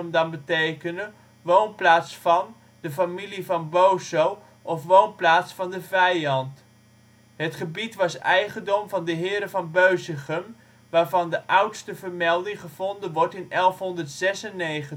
dan betekenen; ' woonplaats van (de familie van) Boso ' of ' woonplaats van de vijand '. Het gebied was eigendom van de heren van Beusichem, waarvan de oudste vermelding gevonden wordt in 1196